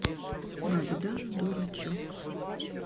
богдан дурачок